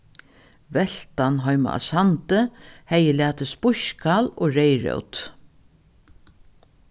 veltan heima á sandi hevði latið spískkál og reyðrót